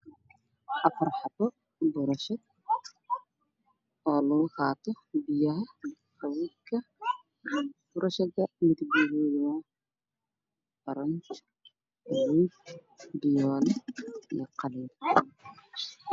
Waxaa ii muuqda meel wax lagu iibinayo waxaa saaran bahlo ka kooban afar midabadoodii cadaan oranji madow waana tukaan